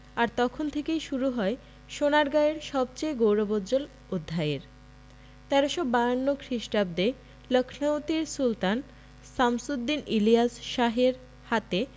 আর তখন থেকেই শুরু হয় সোনারগাঁয়ের সবচেয়ে গৌরবোজ্জ্বল অধ্যায়ের ১৩৫২ খ্রিস্টাব্দে লখনৌতির সুলতান শামসুদ্দীন ইলিয়াস শাহের হাতে